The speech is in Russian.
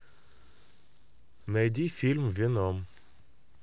найди фильм веном